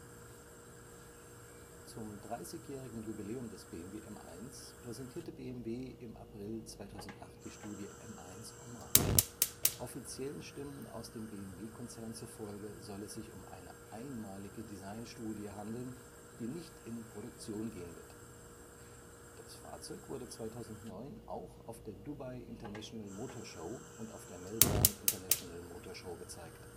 Zum 30-jährigen Jubiläum des BMW M1 präsentierte BMW im April 2008 die Studie M1 Hommage. Offiziellen Stimmen aus dem BMW-Konzern zufolge soll es sich um eine einmalige Designstudie handeln, die nicht in Produktion gehen wird. Das Fahrzeug wurde 2009 auch auf der Dubai International Motor Show und auf der Melbourne International Motor Show gezeigt